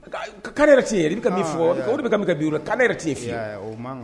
Ka yɛrɛ' bɛ ka fɔ o de kaale yɛrɛ tɛ fɛ